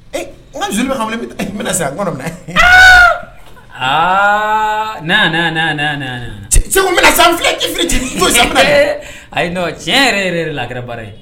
Ee n ka jolie bɛ ka n wele boutique bɛna sisan n kɔnɔ mɛna , aa ii na yan na yan Seku sa ayi non tiɲɛ yɛrɛ yɛrɛ la a kɛra baara ye